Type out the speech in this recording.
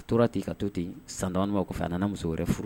A tora ten ka to ten san dama dama o kɔfɛ a nana muso wɛrɛ furu.